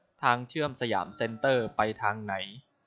ทางเชื่อมสยามเซนเตอร์ไปทางไหน